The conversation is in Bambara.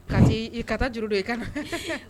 Ka i kata juru don i ka na